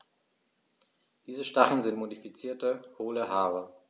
Diese Stacheln sind modifizierte, hohle Haare.